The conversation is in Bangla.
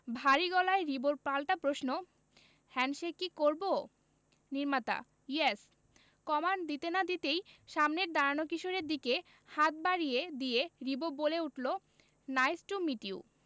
ভারী গলায় রিবোর পাল্টা প্রশ্ন হ্যান্ডশেক কি করবো নির্মাতা ইয়েস কমান্ড দিতে না দিতেই সামনের দাঁড়ানো কিশোরের দিকে হাত বাড়িয়ে দিয়ে রিবো বলে উঠে নাইস টু মিট ইউ